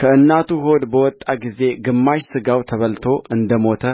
ከእናቱ ሆድ በወጣ ጊዜ ግማሽ ሥጋው ተበልቶ እንደ ሞተ